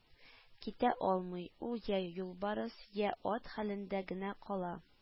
Китә алмый, ул йә юлбарыс, йә ат хәлендә генә кала,